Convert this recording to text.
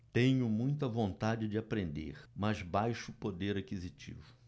tenho muita vontade de aprender mas baixo poder aquisitivo